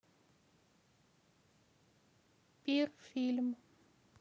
пир фильм